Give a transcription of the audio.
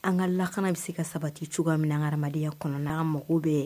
An ka lakana bɛ se ka sabati cogoya min na an ka adamadenya kɔnɔ, n'an mago bɛ